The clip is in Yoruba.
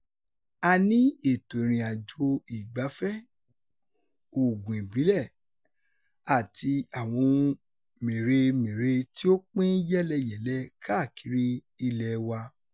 A ní ètò ìrìnàjò ìgbafẹ́, òògùn ìbílẹ̀ àti àwọn ohun mèremère tí ó pín yẹ́lẹyẹ̀lẹ káàkiri ilẹ̀ẹ wa.